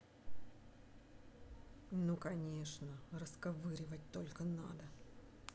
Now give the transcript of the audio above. ну конечно расковыривать только надо